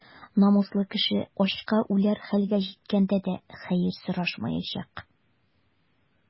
Намуслы кеше ачка үләр хәлгә җиткәндә дә хәер сорашмаячак.